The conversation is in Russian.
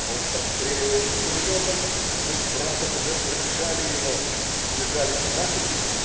Мост обстреливается пулеметом, но мы с братом уже пробежали его, сбежали с насыпи.